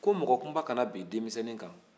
ko mɔgɔ kunba man ka bi denmisɛn kan